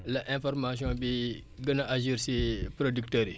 la information bi gën a agir si producteurs yi